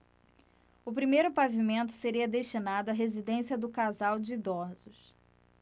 o primeiro pavimento seria destinado à residência do casal de idosos